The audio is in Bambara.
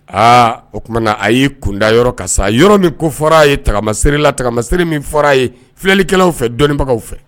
Aa o tuma a y'i kunda yɔrɔ kan sa, yɔrɔ min ko fɔra a ye taama seere la, taamaseere min fɔra a ye filɛlikɛlaw fɛ, dɔnnibagaw fɛ